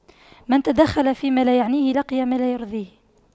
من تدخل فيما لا يعنيه لقي ما لا يرضيه